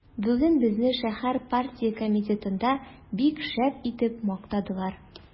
Бүген безне шәһәр партия комитетында бик шәп итеп мактадылар.